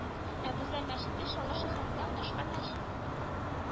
Әбүзәр мәчете Чаллы шәһәрендә урнашкан мәчет